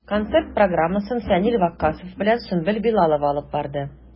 Концерт программасын Фәнил Ваккасов белән Сөмбел Билалова алып барды.